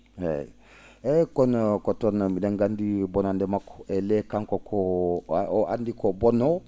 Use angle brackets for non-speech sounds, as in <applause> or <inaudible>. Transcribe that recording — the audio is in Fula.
eeyi eeyi kono ko toon mbii?en nganndi bonande maggu ellee kanngu ko <hesitation> anndii ko ngu bonnoongu